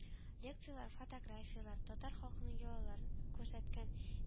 Лекцияләр фотографияләр, татар халкының йолаларын күрсәткән